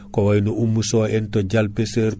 ko wayno Oumou Sow en to Dial Pécheur